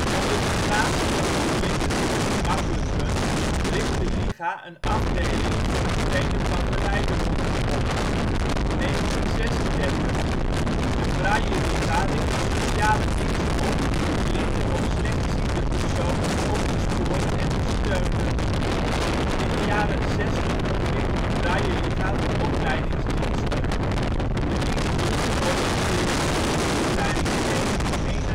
om de verplaatsingen van blinden te vergemakkelijken, richt de Liga een afdeling voor het trainen van geleidehonden op. 1936: De Brailleliga richt de Sociale dienst op om blinde of slechtziende personen op te sporen en te steunen. In de jaren zestig ontwikkelt de Brailleliga de opleidingsdiensten: de Dienst Beroepsoriëntering en Beroepsopleiding in 1961